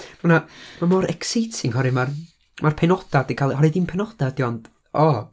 Ma' 'na, ma' mor exciting oherwy' ma'r, ma'r pennodau 'di cael, oherwydd ddim pennodau ydy o, ond, o...